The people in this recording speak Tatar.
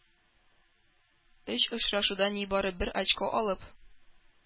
Өч очрашуда нибары бер очко алып,